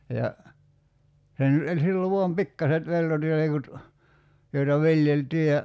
ja sen - sillä on vain pikkuiset peltotilkut joita viljeltiin ja